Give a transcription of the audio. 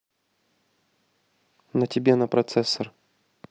на тебе на процессор